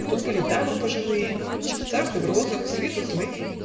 Тут были дамы пожилые В чепцах и в розах, с виду злые